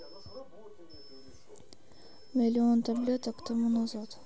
миллион таблеток тому назад